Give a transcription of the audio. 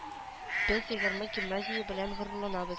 Без егерме гимназия белән горурланабыз